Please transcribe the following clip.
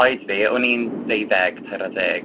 Oed fi? o'n i'n deuddeg, tair ar ddeg.